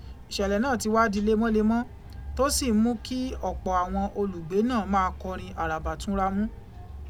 Ìṣẹ̀lẹ̀ náà ti wá di lemọ́lemọ́ tó sì ń mú kí ọ̀pọ̀ àwọn olùgbé náà ó máa kọrin àràbà túnra mú.